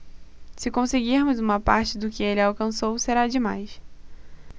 se conseguirmos uma parte do que ele alcançou será demais